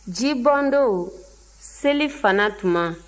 jibɔndon selifana tuma